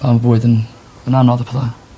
Pan ma' bywyd yn yn anodd a petha.